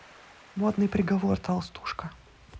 модный приговор толстушка